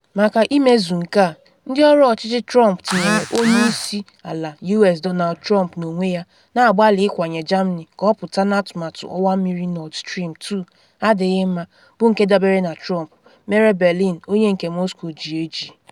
Maka imezu nke a, ndị ọrụ ọchịchị Trump tinyere Onye Isi Ala US Donald Trump n’onwe ya, na-agbalị ịkwanye Germany ka ọ pụta na atụmatụ ọwa mmiri Nord Stream 2 “adịghị mma”, bụ nke dabere na Trump, mere Berlin “onye nke Moscow ji eji.